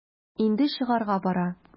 Инде чыгарга бара.